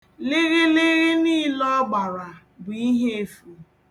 Lịghịlịghị niile ọ gbara bụ ihe efu.